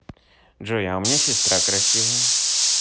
джой а у меня сестра красивая